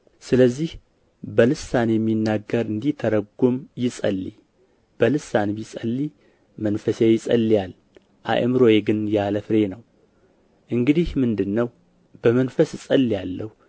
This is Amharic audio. ስለዚህ በልሳን የሚናገር እንዲተረጉም ይጸልይ በልሳን ብጸልይ መንፈሴ ይጸልያል አእምሮዬ ግን ያለ ፍሬ ነው እንግዲህ ምንድር ነው በመንፈስ እጸልያለሁ